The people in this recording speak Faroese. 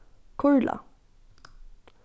kurla